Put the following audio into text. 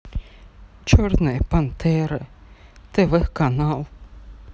черная пантера тв канал